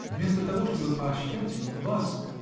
Вместо того чтобы поощрять вас.